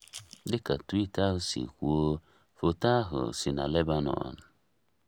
Dịka twiiti ahụ si kwuo, foto ahụ si na Lebanon.